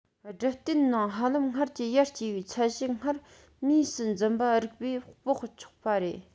སྦྲུམ རྟེན ནང ཧ ལམ སྔར གྱི ཡར སྐྱེ བའི ཚད གཞི སྔར མུས སུ འཛིན པ རིགས པས དཔོག ཆོག པ རེད